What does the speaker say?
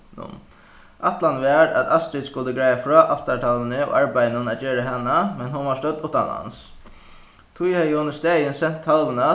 ætlanin var at astrid skuldi greiða frá altartalvuni og arbeiðinum at gera hana men hon var stødd uttanlands tí hevði hon í staðin sent talvuna